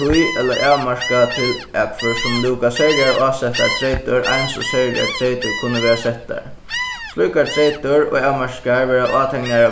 tíð ella avmarkað til akfør sum lúka serligar ásettar treytir eins og serligar treytir kunnu verða settar slíkar treytir og avmarkingar verða áteknaðar á